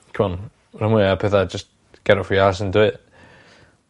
c'mon rhan fwya o petha jyst get off your arse an' do it.